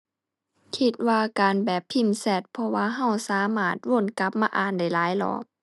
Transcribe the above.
คิดว่าการแบบพิมพ์แชต เพราะว่าเราสามารถวนกลับมาอ่านได้หลายรอบ